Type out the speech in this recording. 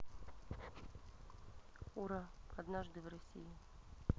ура однажды в россии